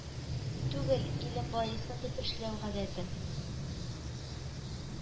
Түгел, илем баесын дип эшләү гадәте